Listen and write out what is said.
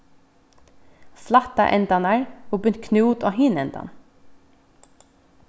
flætta endarnar og bint knút á hin endan